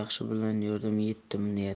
yaxshi bilan yurdim yetdim niyatga